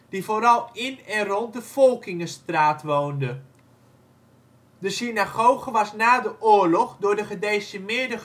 die vooral in en rond de Folkingestraat woonde. De synagoge was na de oorlog door de gedecimeerde